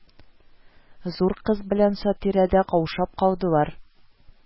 Зур кыз белән Сатирә дә каушап калдылар